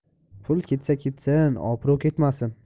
pul ketsa ketsin obro' ketmasin